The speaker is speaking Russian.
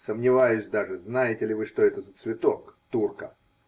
Сомневаюсь даже, знаете ли вы, что это за цветок -- "турка".